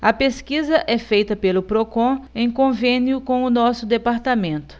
a pesquisa é feita pelo procon em convênio com o diese